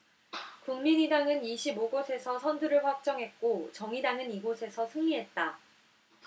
국민의당은 이십 오 곳에서 선두를 확정했고 정의당은 이 곳에서 승리했다